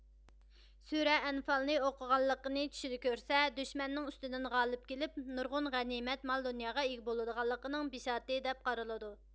سۈرە ئەنفالنى ئوقۇغانلىقىنى چۈشىدە كۆرسە دۈشمەننىڭ ئۈستىدىن غالىپ كېلىپ نۇرغۇن غەنىمەت مال دۇنياغا ئىگە بولىدىغانلىقىنىڭ بىشارىتى دەپ قارىلىدۇ